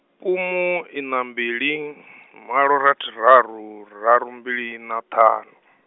kumu ina mbili , malo rathi raru, raru mbili ina, ṱhanu.